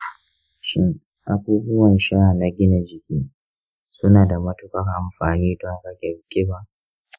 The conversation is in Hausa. shin abubuwan sha na gina jiki suna da matuƙar amfani don rage kiba?